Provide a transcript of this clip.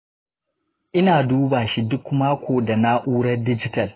ina duba shi duk mako da na’urar dijital.